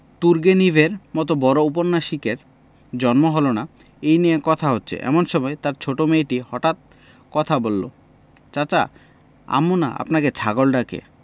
তুর্গেনিভের মত বড় উপন্যাসিকের জন্ম হল না এই নিয়ে কথা হচ্ছে এমন সময় তাঁর ছোট মেয়েটি হঠাৎ কথা বলল চাচা আম্মু না আপনাকে ছাগল ডাকে